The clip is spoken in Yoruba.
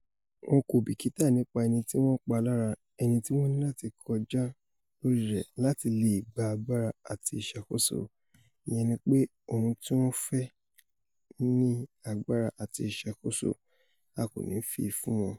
Wọn kò bìkítà nípa ẹnití wọ́n pa lára, ẹnití wọ́n nilati kọjá lórí rẹ̀ láti lee gba agbára àti ìṣàkóso, ìyẹn nípe ohun tíwọ́n fẹ́ ni agbára àti ìṣàkóso, a kò ní fi i fún wọn.